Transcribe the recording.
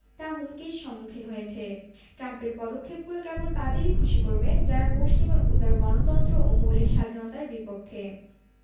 তা হুমকির সম্মুখীন হয়েছে ট্রাম্পের পদক্ষেপগুলো কেবল তাদেরই খুশি করবে যারা পশ্চিমের উদার গণতন্ত্র ও মৌলিক স্বাধীনতার বিপক্ষে